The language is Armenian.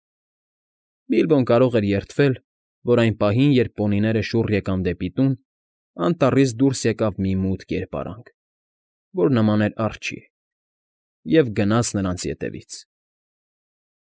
Բիլբոն կարող էր երդվել, որ այն պահին, երբ պոնիները շուռ եկան դեպի տուն, անտառից դուրս եկավ մի մութ կերպարանք, որ նման էր արջի, և գնաց նրանց ետևից։ ֊